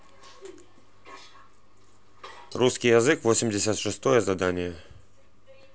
русский язык восемьдесят шестое задание